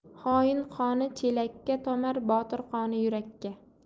xoin qoni chelakka tomar botir qoni yurakka